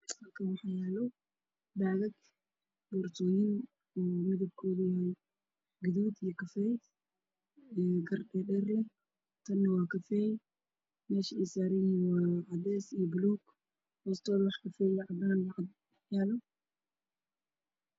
Halkaan waxaa yaalo boorsooyin midabkoodu uu yahay gaduud iyo kafay oo biro dhaadheer leh oo kafay ah meesha ay saaran yihiin waa cadeys iyo buluug hoostooda wax kafay iyo buluug ah ayaa yaalo.